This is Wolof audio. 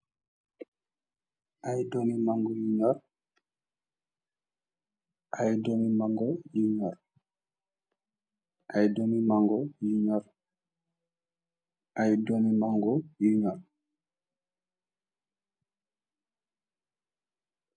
Aye doomi mango yu nyor, aye doomi mango yu nyor, aye domi mango yu nyor, aye doimi mango yu nyor, aye doomi mango yu nyor.